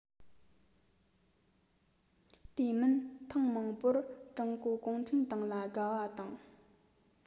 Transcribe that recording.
དེ མིན ཐེངས མང པོར ཀྲུང གོ གུང ཁྲན ཏང ལ དགའ བ དང